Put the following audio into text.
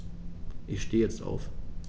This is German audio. Ich stehe jetzt auf.